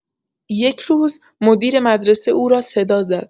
یک روز، مدیر مدرسه او را صدا زد.